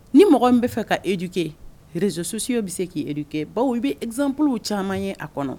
Ni mɔgɔ min bɛ fɛ ka éduquer réseaux sociaux bɛ se k'i éduquer baw i bɛ exemple caman y'a kɔnɔ.